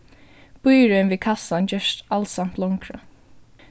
bíðirøðin við kassan gerst alsamt longri